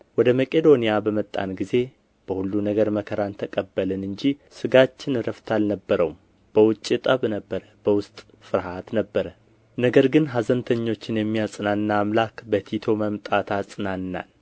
ወደ መቄዶንያም በመጣን ጊዜ በሁሉ ነገር መከራን ተቀበልን እንጂ ሥጋችን ዕረፍት አልነበረውም በውጭ ጠብ ነበረ በውስጥ ፍርሃት ነበረ ነገር ግን ኀዘንተኞችን የሚያጽናና አምላክ በቲቶ መምጣት አጽናናን